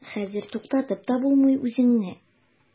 Хәзер туктатып та булмый үзеңне.